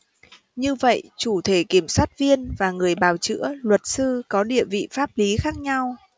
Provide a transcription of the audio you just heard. như vậy chủ thể kiểm sát viên và người bào chữa luật sư có địa vị pháp lý khác nhau